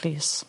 Plîs.